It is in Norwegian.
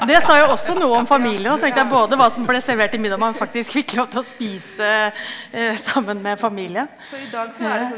det sa jo også noe om familien da tenker jeg, både hva som ble servert til middag og om man faktisk fikk lov til å spise sammen med familien, ja.